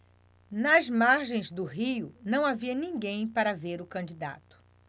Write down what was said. nas margens do rio não havia ninguém para ver o candidato